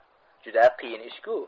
juda qiyin ish ku